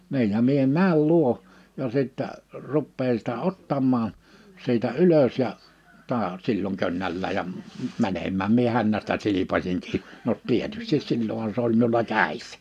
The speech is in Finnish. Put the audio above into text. niin ja minä menen luo ja sitten rupean sitä ottamaan siitä ylös ja taas silloin könnällään ja - menemään minä hännästä silpaisin kiinni no tietysti silloinhan se oli minulla kädessä